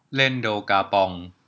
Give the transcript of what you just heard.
เล่นโดกาปอง